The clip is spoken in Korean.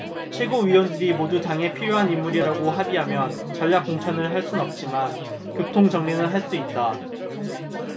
최고위원들이 모두 당에 필요한 인물이라고 합의하면 전략공천을 할 순 없지만 교통정리는 할 수 있다